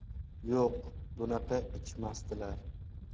yo'q bunaqa ichmasdilar